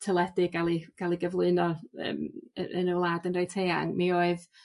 teledu ga'l 'i ga'l ei gyflwyno yym y yn y wlad yn reit eang mi oedd